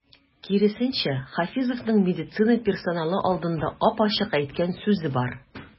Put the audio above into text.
Киресенчә, Хафизовның медицина персоналы алдында ап-ачык әйткән сүзе бар.